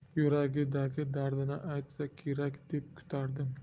yuragidagi dardini aytsa kerak deb kutardim